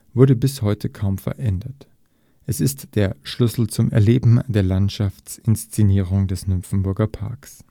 wurde bis heute kaum verändert. Es ist der Schlüssel zum Erleben der Landschaftsinszenierung des Nymphenburger Parks